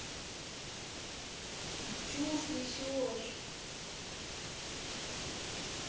ты чушь несешь